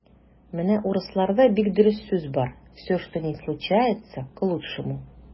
Менә урысларда бик дөрес сүз бар: "все, что ни случается - к лучшему".